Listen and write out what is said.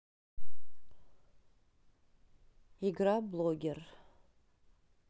игра блогер